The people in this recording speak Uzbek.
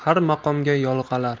har maqomga yo'ig'alar